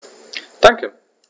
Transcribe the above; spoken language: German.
Danke.